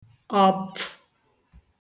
ọkfụ